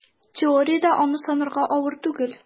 Теориядә аны санарга авыр түгел: